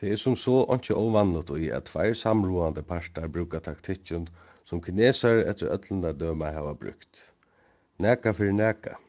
tað er sum so einki óvanligt í at tveir samráðandi partar brúka taktikkin sum kinesarar eftir øllum at døma hava brúkt nakað fyri nakað